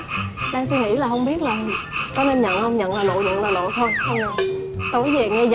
đang suy nghĩ là không biết có nên nhận không nhận là lộ liễu là lộ thân đâu có gì nên